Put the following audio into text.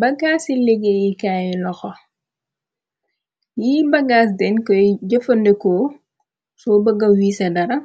Bagaas ci liggéeyyikaay loxo yi bagaas den koy jëfandekoo soo bëga wiise dara